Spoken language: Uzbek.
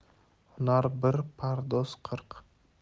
hunar bir pardoz qirq